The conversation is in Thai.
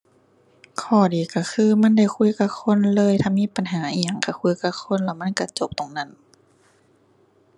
ข้อดีก็คือมันได้คุยกับคนเลย ถ้ามีปัญหาอิหยังก็คุยกับคนแล้วมันก็จบตรงนั้น